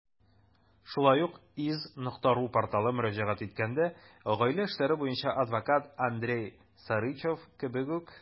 Шулай ук iz.ru порталы мөрәҗәгать иткән гаилә эшләре буенча адвокат Андрей Сарычев кебек үк.